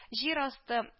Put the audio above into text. – җир асты